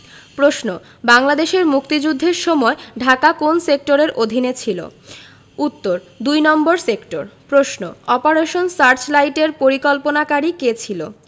প্রশ্ন বাংলাদেশের মুক্তিযুদ্ধের সময় ঢাকা কোন সেক্টরের অধীনে ছিলো উত্তর দুই নম্বর সেক্টর প্রশ্ন অপারেশন সার্চলাইটের পরিকল্পনাকারী কে ছিল